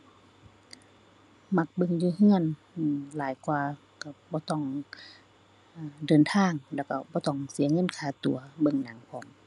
มักเบิ่งอยู่เรือน อื้อ หลายกว่าเรือนบ่ต้อง เอ่อ เดินทางแล้วเรือนบ่ต้องเสียเงินค่าตั๋วเบิ่งหนังพร้อม